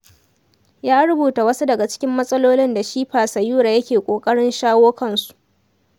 Ya rubuta wasu daga cikin matsalolin da Shipa Sayura yake ƙoƙarin shawo kansu.